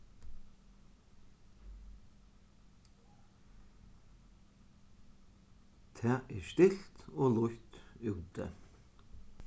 tað er stilt og lýtt úti